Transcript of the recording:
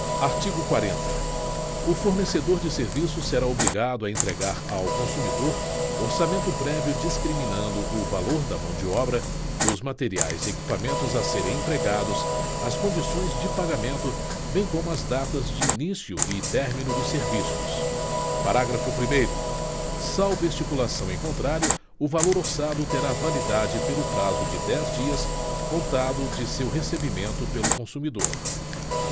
artigo quarenta o fornecedor de serviço será obrigado a entregar ao consumidor orçamento prévio discriminando o valor da mão-de-obra dos materiais e equipamentos a serem empregados as condições de pagamento bem como as datas de início e término dos serviços parágrafo primeiro salvo estipulação em contrário o valor orçado terá validade pelo prazo de dez dias contado de seu recebimento pelo consumidor